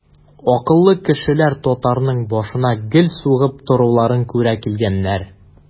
Акыллы кешеләр татарның башына гел сугып торуларын күрә килгәннәр.